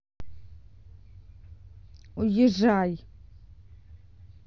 уезжай